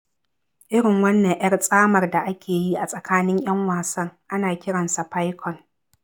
Irin wannan 'yar tsamar da ake yi a tsakanin 'yan wasan ana kiran sa "picong".